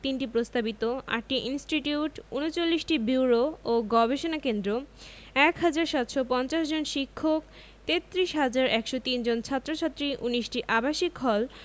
৩টি প্রস্তাবিত ৮টি ইনস্টিটিউট ৩৯টি ব্যুরো ও গবেষণা কেন্দ্র ১ হাজার ৭৫০ জন শিক্ষক ৩৩ হাজার ১০৩ জন ছাত্র ছাত্রী ১৯টি আবাসিক হল